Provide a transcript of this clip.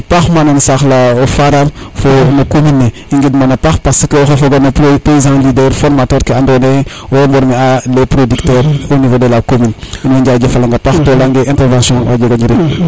paax mana saax la o Faral fo no commune ne ŋid mana paax parce que oxey foga no pays leaders formateur ke ando naye owey mborme a les producteurs au nivaux de la commune in way njajafalaŋ a paax to leyange intervention ofa jege o njiriñ